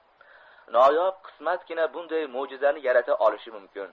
noyob qismatgina bunday mo'jizani yarata olishi mumkin